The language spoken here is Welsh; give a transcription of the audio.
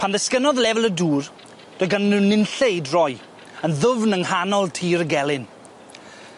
Pan ddisgynnodd lefel y dŵr doe' gannyn nw nunlle i droi yn ddwfn yng nghanol tir y gelyn.